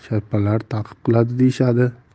sharpalar taqib qiladi deyishadi